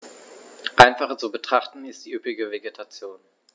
Einfacher zu betrachten ist die üppige Vegetation.